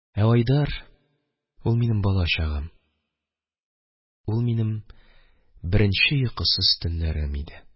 Ә айдар – ул минем балачагым, минем беренче йокысыз төннәрем иде.